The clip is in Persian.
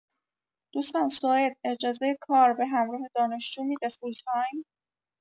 دوستان سوئد اجازه کار به همراه دانشجو می‌ده فول تایم؟